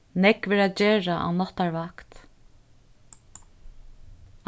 nógv er at gera á náttarvakt